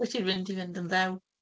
Wyt ti'n fynd i fynd yn ddew.